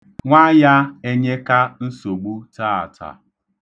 Nwa ya enyeka nsogbu taata.